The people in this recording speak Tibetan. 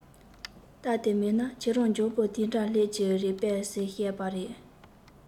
རྟ དེ མེད ན ཁྱེད རང མགྱོགས པོ དེའི འདྲ སླེབས ཀྱི རེད པས ཟེར བཤད པ རེད